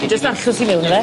Fi jyst arllwys i mewn ife?